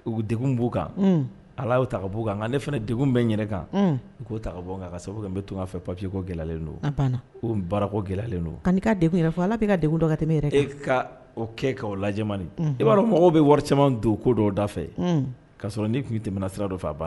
U deg b'u kan ala y'o ta b'u kan nka ne fana de bɛ yɛrɛ kan u k'o ta bɔ kan ka sababu n bɛ tun' fɛ papiye ko gɛlɛlen don a baarakɔ gɛlɛlen don ka ka de yɛrɛ fɔ ala bɛ' ka de ka tɛmɛ e ka kɛ' o lajamani i b'a dɔn mɔgɔw bɛ wari caman don ko dɔda fɛ ka sɔrɔ ni tun tɛmɛna sira dɔ fɛ banna